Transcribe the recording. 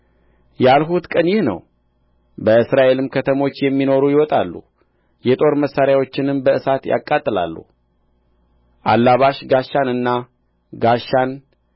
ያልሁት ቀን ይህ ነው በእስራኤልም ከተሞች የሚኖሩ ይወጣሉ የጦር መሣሪያዎችንም በእሳት ያቃጥላሉ አላባሽ ጋሻንና ጋሻን